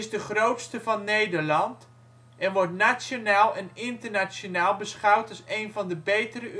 de grootste van Nederland, en wordt nationaal en internationaal beschouwd als een van de betere universiteiten